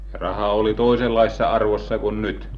ja raha oli toisenlaisessa arvossa kuin nyt